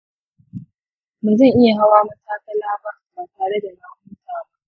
ba zan iya hawa matakala ba tare da na huta ba.